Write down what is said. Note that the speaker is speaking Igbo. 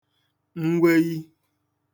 mweyi